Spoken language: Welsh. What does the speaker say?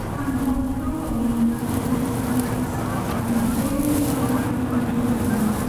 hanfodol o'n diwylliant ac yn hen draddodiad Palesteinaidd.